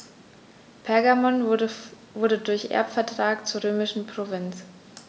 Pergamon wurde durch Erbvertrag zur römischen Provinz.